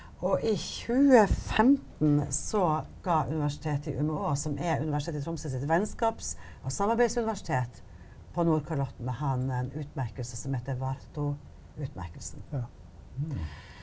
og i 2015 så ga Universitet i Umeå som er Universitetet i Tromsø sitt vennskaps- og samarbeidsuniversitet på Nordkalotten han en utmerkelse som heter Vaartoes-utmerkelsen.